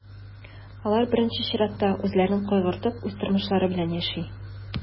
Алар, беренче чиратта, үзләрен кайгыртып, үз тормышлары белән яши.